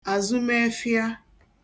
àzụmẹfhịa